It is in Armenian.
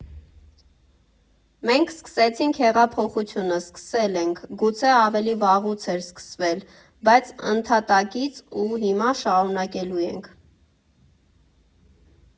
Մենք սկսեցինք հեղափոխությունը, սկսել ենք, գուցե ավելի վաղուց էր սկսվել, բայց ընդհատակից, ու հիմա շարունակելու ենք։